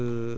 dëgg la